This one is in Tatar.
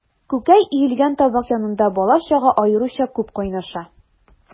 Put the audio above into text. Күкәй өелгән табак янында бала-чага аеруча күп кайнаша.